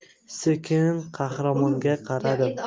sekin qahramonga qaradim